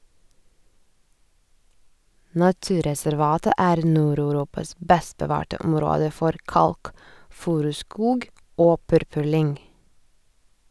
Naturreservatet er Nord-Europas best bevarte område for kalkfuruskog og purpurlyng.